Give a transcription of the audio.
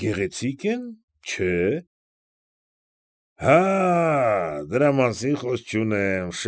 Գեղեցի՞կ են, չէ՞։ ֊ Հաա՜, դրա մասին խոսք չունեմ։